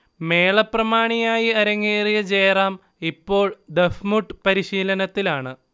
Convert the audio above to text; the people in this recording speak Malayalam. മേള പ്രമാണിയായി അരങ്ങേറിയ ജയറാം ഇപ്പോൾ ദഫ്മുട്ട് പരിശീലനത്തിലാണ്